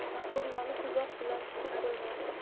turnani tuzoq bilan tutib bo'lmas